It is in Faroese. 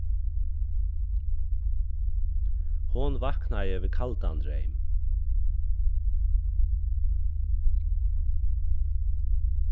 hon vaknaði við kaldan dreym